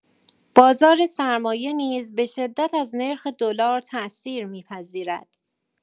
بازار سرمایه نیز به‌شدت از نرخ دلار تأثیر می‌پذیرد.